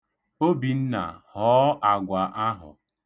Obinna, họọ agwa ahụ.